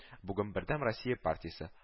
Бүген Бердәм Россия партиясе